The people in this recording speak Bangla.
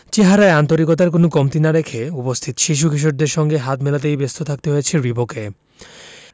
চেহারায় আন্তরিকতার কোনো কমতি না রেখে উপস্থিত শিশু কিশোরদের সঙ্গে হাত মেলাতেই ব্যস্ত থাকতে হয়েছে রিবোকে